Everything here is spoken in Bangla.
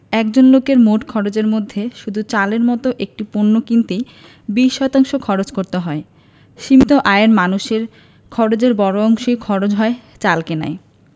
একজন লোকের মোট খরচের মধ্যে শুধু চালের মতো একটি পণ্য কিনতেই ২০ শতাংশ খরচ করতে হয় সীমিত আয়ের মানুষের খরচের বড় অংশই খরচ হয় চাল কেনায়